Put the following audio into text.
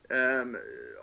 yym yy o-